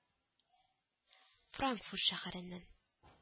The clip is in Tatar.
— франкфурт шәһәреннән